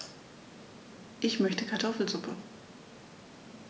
Ich möchte Kartoffelsuppe.